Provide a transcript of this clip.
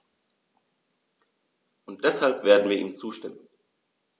Und deshalb werden wir ihm zustimmen.